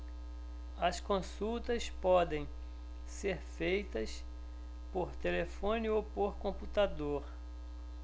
as consultas podem ser feitas por telefone ou por computador